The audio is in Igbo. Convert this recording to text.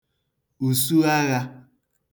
ùsuaghā